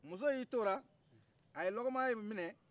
muso y'i t'o la a ye lɔgɔmaya in minɛ